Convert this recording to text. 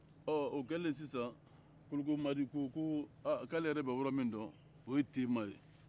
ɔ kɛlen sisan kolokomadi ko ko a k'ale yɛrɛ bɛ yɔrɔ min dɔn o ye tema ye